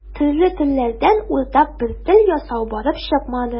Төрле телләрдән уртак бер тел ясау барып чыкмады.